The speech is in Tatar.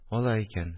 – алай икән